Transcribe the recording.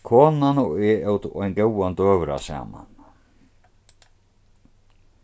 konan og eg ótu ein góðan døgurða saman